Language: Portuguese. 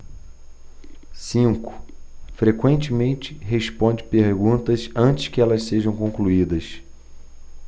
cinco frequentemente responde perguntas antes que elas sejam concluídas